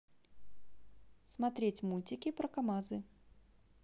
смотреть мультики про камазы